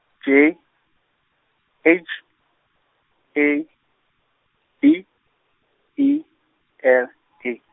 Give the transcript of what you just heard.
J H A B E L E.